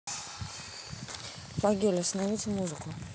фогель остановите музыку